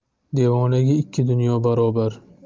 devonaga ikki dunyo barobar